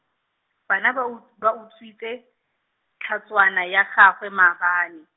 bana ba u-, ba utswitse, tlhatswana ya gagwe maabane.